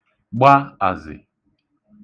gba àzị̀